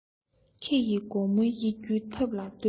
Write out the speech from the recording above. ཁེ ཡི སྒོ མོ དབྱེ རྒྱུའི ཐབས ལ ལྟོས